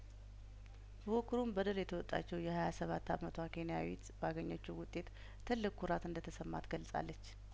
ፉክክሩን በድል የተወጣችው የሀያሰባት አመቷ ኬንያዊት ባገኘችው ውጤት ትልቅ ኩራት እንደተሰማት ገልጻለች